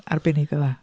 Arbennig o dda.